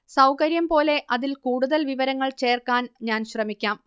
സൗകര്യം പോലെ അതിൽ കൂടുതൽ വിവരങ്ങൾ ചേർക്കാൻ ഞാൻ ശ്രമിക്കാം